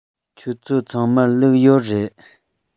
ཁྱོད ཚོ ཚང མར ལུག ཡོད རེད